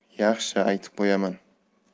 yaxshi aytib qo'yaman